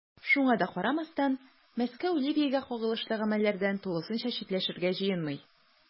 Шуңа да карамастан, Мәскәү Ливиягә кагылышлы гамәлләрдән тулысынча читләшергә җыенмый.